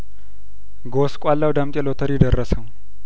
ጐስቋላው ዳምጤ ሎተሪ ደረሰው